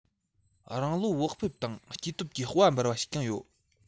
རང བློ བག ཕེབས དང སྐྱེ སྟོབས ཀྱི དཔལ འབར བ ཞིག ཀྱང ཡོད